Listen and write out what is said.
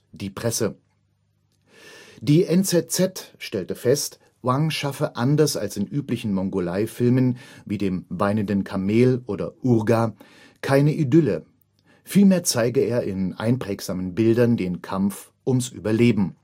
Die Presse). Die NZZ stellte fest, Wang schaffe anders als in üblichen Mongolei-Filmen wie dem Weinenden Kamel oder Urga keine Idylle, vielmehr zeige er in einprägsamen Bildern den Kampf ums Überleben